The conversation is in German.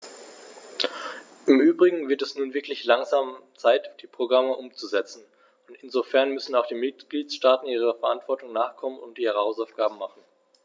Im übrigen wird es nun wirklich langsam Zeit, die Programme umzusetzen, und insofern müssen auch die Mitgliedstaaten ihrer Verantwortung nachkommen und ihre Hausaufgaben machen.